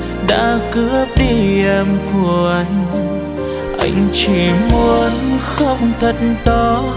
đã cướp đi em của anh anh chỉ muốn khóc thật to